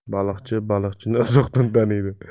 baliqchi baliqchini uzoqdan taniydi